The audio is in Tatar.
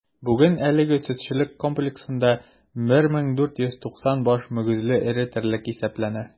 Бүген әлеге сөтчелек комплексында 1490 баш мөгезле эре терлек исәпләнә.